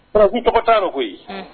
Faraku tɔgɔ t'a la koyi , unhun